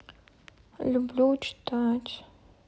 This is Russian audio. люблю читать